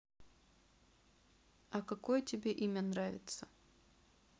а какое тебе имя нравится